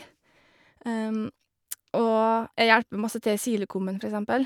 Og jeg hjelper masse til i silokummen, for eksempel.